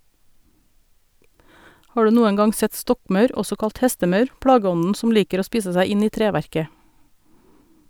Har du noen gang sett stokkmaur, også kalt hestemaur, plageånden som liker å spise seg inn i treverket?